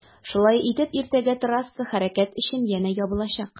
Шулай итеп иртәгә трасса хәрәкәт өчен янә ябылачак.